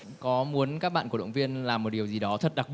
có muốn các bạn cổ động viên là một điều gì đó thật đặc